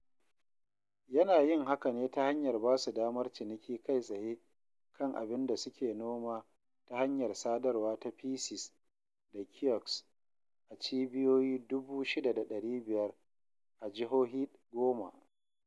Yana yin haka ne ta hanyar basu damar ciniki kai tsaye kan abin da suka noma ta hanyar sadarwa ta PCs da kiosks a cibiyoyi 6,500 a jihohi 10.